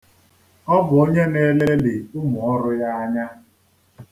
Ọ bụ onye na-elelị ụmụ ọrụ ya anya.